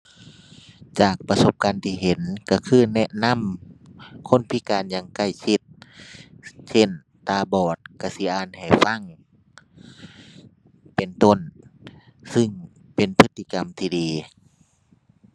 จากประสบการณ์ที่เห็นก็คือแนะนำคนพิการอย่างใกล้ชิด เช่น ตาบอดก็สิอ่านให้ฟัง เป็นต้น ซึ่งเป็นพฤติกรรมที่ดี